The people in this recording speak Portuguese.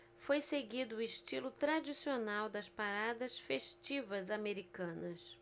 foi seguido o estilo tradicional das paradas festivas americanas